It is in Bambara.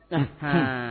Un